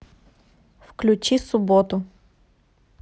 включи субботу